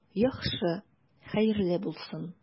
Яхшы, хәерле булсын.